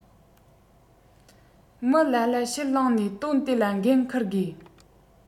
མི ལ ལ ཕྱིར ལང ནས དོན དེ ལ འགན འཁུར དགོས